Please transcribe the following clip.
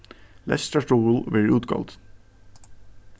lestrarstuðul verður útgoldin